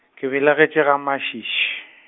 ke belegetšwe gaMatšiši.